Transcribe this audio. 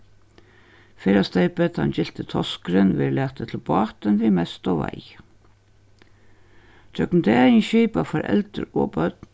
ferðasteypið tann gylti toskurin verður latið til bátin við mestu veiðu gjøgnum dagin skipa foreldur og børn